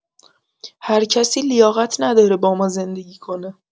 هرکسی لیاقت نداره با ما زندگی کنه